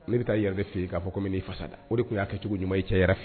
Ne bɛ taa yɛrɛ fɛ k'a fɔ ko n i fasa la o de tun y'a kɛ cogocogo ɲuman i cɛ yɛrɛ fɛ